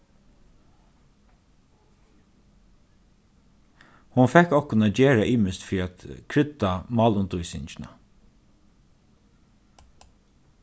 hon fekk okkum at gera ymiskt fyri at krydda málundirvísingina